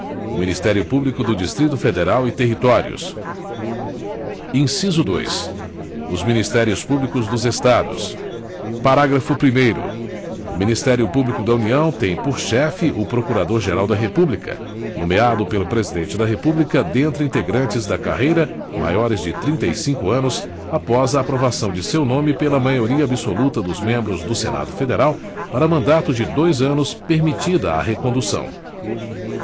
o ministério público do distrito federal e territórios inciso dois os ministérios públicos dos estados parágrafo primeiro o ministério público da união tem por chefe o procurador geral da república nomeado pelo presidente da república dentre integrantes da carreira maiores de trinta e cinco anos após a aprovação de seu nome pela maioria absoluta dos membros do senado federal para mandato de dois anos permitida a recondução